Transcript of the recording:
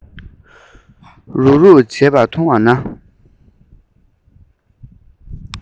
རུབ རུབ བྱེད པ མཐོང བ ན